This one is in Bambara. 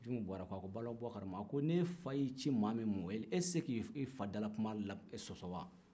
junmu buwarɛ ko balobokary ma ne fa y'i ci maa min ma e tɛ se k'i fa dalakuma sɔsɔ wa